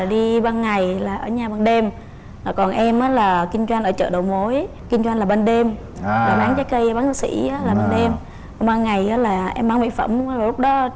đi ban ngày ở nhà ban đêm còn em á là kinh doanh ở chợ đầu mối kinh doanh là ban đêm là bán trái cây bán sỉ á là ban đêm còn ban ngày á là em bán mĩ phẩm lúc đó